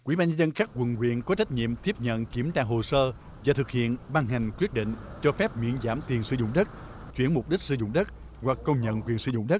ủy ban nhân dân các quận huyện có trách nhiệm tiếp nhận kiểm tra hồ sơ do thực hiện bằng hành quyết định cho phép miễn giảm tiền sử dụng đất chuyển mục đích sử dụng đất và công nhận quyền sử dụng đất